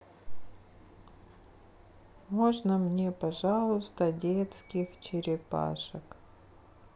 можно мне пожалуйста детских черепашек